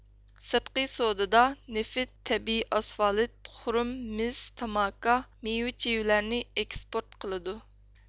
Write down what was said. سىرتقى سودىدا نېفىت تەبىئىي ئاسفالت خۇرۇم مىس تاماكا مېۋە چىۋىلەرنى ئېكسپورت قىلىدۇ